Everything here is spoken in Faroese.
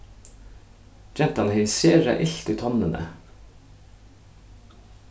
gentan hevði sera ilt í tonnini